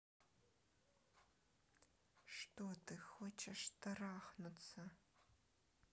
что ты хочешь трахнуться